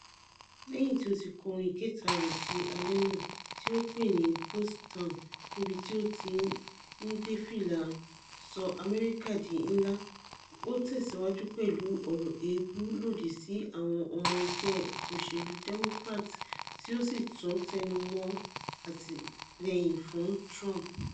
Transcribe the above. Lẹ́yìn tí ó kọ orin ìkẹta rẹ̀ ti alẹ́ náà, tí ó pè ni Ghost Town níbi ti o ti ńdé fila Sọ Amẹrika Di Ńlà, ó tẹ̀síwájú pẹ̀lú ọ̀rọ̀ èébu lòdí sí àwọn ọmọ ẹgbẹ́ òṣèlú Democrats tí o sì tún tẹnumọ́ àtìlẹ́yìn fún Trump.